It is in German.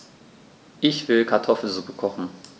Ich will Kartoffelsuppe kochen.